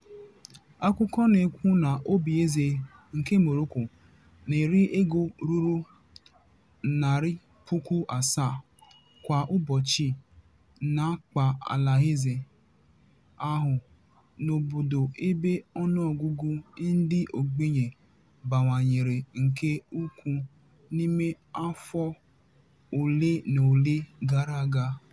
Akụkọ na-ekwu na obíeze nke Morocco na-eri ego ruru 700,000 kwa ụbọchị n'akpa alaeze ahụ, n'obodo ebe ọnụọgụgụ ndị ogbenye bawanyere nke ukwuu n'ime afọ ole na ole gara aga.